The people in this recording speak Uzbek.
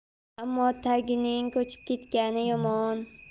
ammo tagining ko'chib ketgani yomon